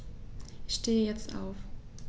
Ich stehe jetzt auf.